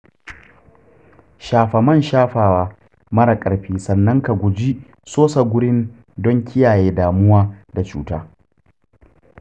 shafa man shafawa mara ƙarfi sannan ka guji sosa gurin don kiyaye kamuwa da cuta.